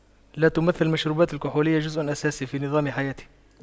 لا تمثل المشروبات الكحولية جزء أساسي في نظام حياتي